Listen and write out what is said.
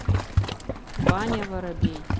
ваня воробей